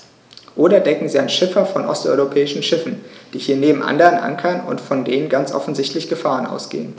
Oder denken Sie an Schiffer von osteuropäischen Schiffen, die hier neben anderen ankern und von denen ganz offensichtlich Gefahren ausgehen.